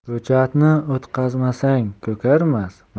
ko'chatni o'tqazmasang ko'karmas